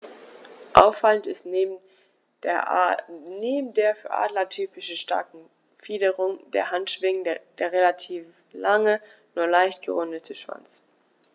Auffallend ist neben der für Adler typischen starken Fingerung der Handschwingen der relativ lange, nur leicht gerundete Schwanz.